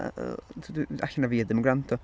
Y- y- yym, alle na fi oedd ddim yn gwrando.